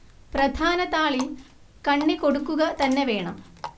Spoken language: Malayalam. പ്രധാന താളിൽ കണ്ണി കൊടുക്കുക തന്നെ വേണം